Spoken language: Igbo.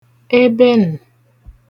ebe ǹ